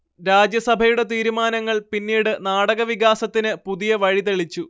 രാജസഭയുടെ തീരുമാനങ്ങൾ പിന്നീട് നാടകവികാസത്തിന് പുതിയ വഴി തെളിച്ചു